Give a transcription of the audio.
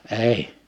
ei